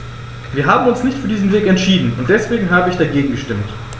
Wir haben uns nicht für diesen Weg entschieden, und deswegen habe ich dagegen gestimmt.